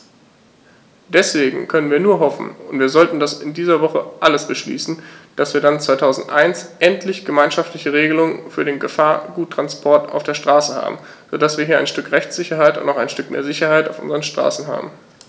Deswegen können wir nur hoffen - und wir sollten das in dieser Woche alles beschließen -, dass wir dann 2001 endlich gemeinschaftliche Regelungen für den Gefahrguttransport auf der Straße haben, so dass wir hier ein Stück Rechtssicherheit und auch ein Stück mehr Sicherheit auf unseren Straßen haben.